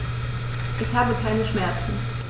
Ich habe keine Schmerzen.